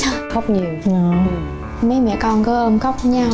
khóc nhiều mấy mẹ con cứ ôm khóc với nhau